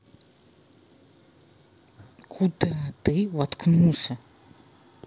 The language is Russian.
куда ты воткнулся